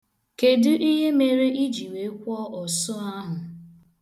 Kedu ihe mere i ji wee kwọọ ọsụ ahụ?